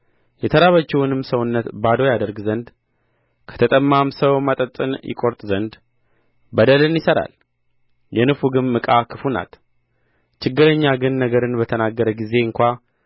የተራበችውንም ሰውነት ባዶ ያደርግ ዘንድ ከተጠማም ሰው መጠጥን ይቈርጥ ዘንድ በደልን ይሠራል የንፉግም ዕቃ ክፉ ናት ችግረኛ ቅን ነገርን በተናገረ ጊዜ እንኳ